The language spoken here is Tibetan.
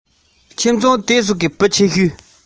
ཕྲུ གུ དེ ཚོའི ཐོད པ ནས